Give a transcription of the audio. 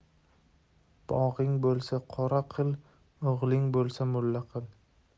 bog'ing bo'lsa qo'ra qil o'g'ling bo'lsa mulla qil